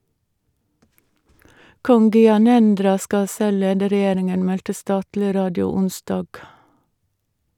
Kong Gyanendra skal selv lede regjeringen, meldte statlig radio onsdag.